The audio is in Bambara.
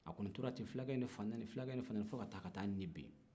o kɔni tora ten fulakɛ ye ne fa nɛni fulakɛ ye ne fa nɛni fo ka taa ni bin